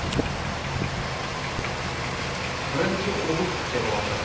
birinchi oblsudga bordim